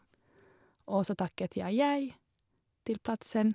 Og så takket jeg jei til plassen.